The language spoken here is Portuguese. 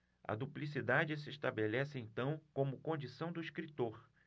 a duplicidade se estabelece então como condição do escritor